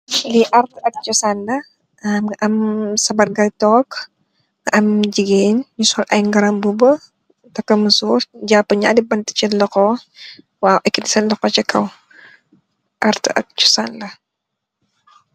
Li ap chosan la am sabar ga tog am jigeen yu sol ay garambubu taka musurr japaa naari banta sen loxo waw ekiti sen loxo si kaw waw ada ak chosan la.